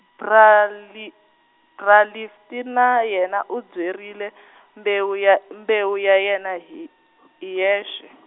Rali Ralistina yena u byerile mbewu ya mbewu ya yena hi, hi yexe.